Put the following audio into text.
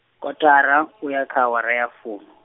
kotara, uya kha awara ya fumi.